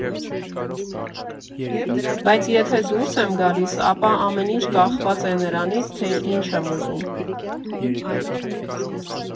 Բայց եթե դուրս եմ գալիս, ապա ամեն ինչ կախված է նրանից, թե ինչ եմ ուզում։